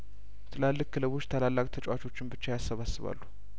ትላልቅ ክለቦች ታላላቅ ተጫዋቾችን ብቻ ያሰባስባሉ